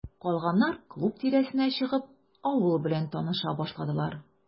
Калганнар, клуб тирәсенә чыгып, авыл белән таныша башладылар.